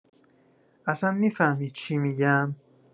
اصا می‌فهمی چی می‌گم؟